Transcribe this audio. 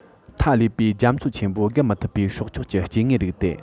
མཐའ ཀླས པའི རྒྱ མཚོ ཆེན མོ བརྒལ མི ཐུབ པའི སྲོག ཆགས ཀྱི སྐྱེ དངོས རིགས ཏེ